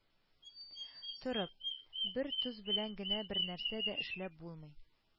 Торып, бер тоз белән генә бернәрсә дә эшләп булмый